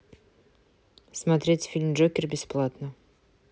смотреть фильм джокер бесплатно